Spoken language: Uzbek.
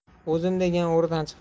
o'zim degan o'rdan chiqmas